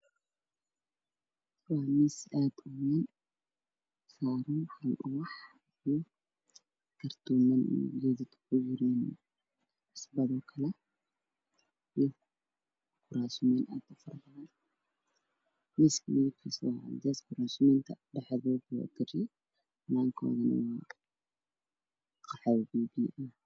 Sawirkan waxaa ka muuqda qol ay ku jiraan miis iyo kuraas daaqadaha midabkooduna waa bluug waana daaqado dhalo ah oo is furayo